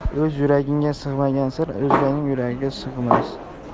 o'z yuragingga sig'magan sir o'zganing yuragiga sig'mas